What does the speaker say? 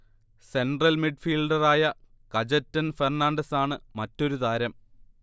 central മിഡ്ഫീൽഡറായ കജെറ്റൻ ഫെർണാണ്ടസാണ് മറ്റൊരു താരം